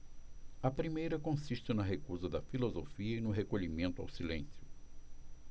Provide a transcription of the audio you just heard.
a primeira consiste na recusa da filosofia e no recolhimento ao silêncio